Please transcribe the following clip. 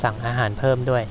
สั่งอาหารเพิ่มด้วย